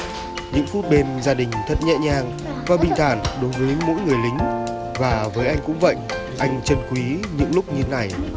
những phút bên gia đình thật nhẹ nhàng và bình thản đối với mỗi người lính và với anh cũng vậy anh trân quý những lúc như này